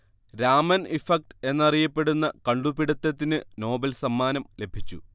Raman effect എന്നറിയപ്പെടുന്ന കണ്ടുപിടിത്തത്തിന് Nobel സമ്മാനം ലഭിച്ചു